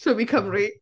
Show me Cymru.